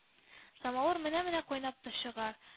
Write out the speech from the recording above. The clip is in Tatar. Самавыр менә-менә кайнап та чыгар